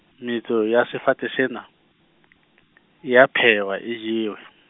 metso ya sefate sena , e a phehwa e jewe.